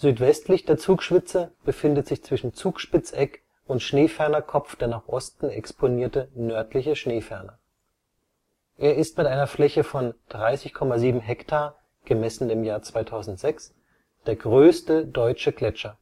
Südwestlich der Zugspitze befindet sich zwischen Zugspitzeck und Schneefernerkopf der nach Osten exponierte Nördliche Schneeferner. Er ist mit einer Fläche von 30,7 ha (2006) der größte deutsche Gletscher